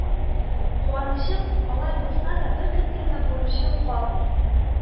Куанычым, алай-болай булса, беркемгә дә бурычым калмый,